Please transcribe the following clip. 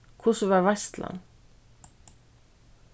hvussu var veitslan